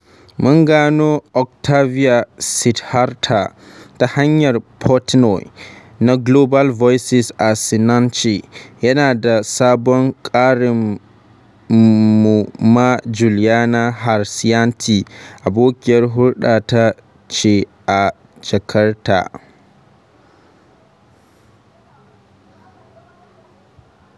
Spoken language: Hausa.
Mun gano Oktavia Sidharta ta hanyar Portnoy na Global Voices a Sinanci, yayin da sabon ƙarinmu ma, Juliana Harsianti, abokiyar hulɗata ce a Jakarta.